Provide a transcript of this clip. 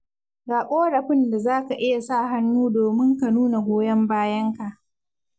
Ga ƙorafin da za ka iya sa hannu domin ka nuna goyon bayanka.